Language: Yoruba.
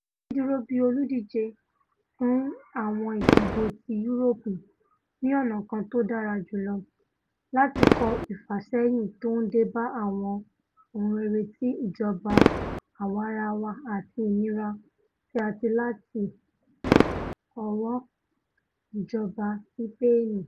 Dídúró bíi olùdíje kan fún àwọn ìdìbò ti Yúróòpù ni ọ̀nà kan tó dára jùlọ láti kọ ìfàsẹ́yìn tó ńdébá àwọn ohun rere ti ìjọba àwarawa àti inira tí a tí láti ọwọ́ ìjọba Sipeeni.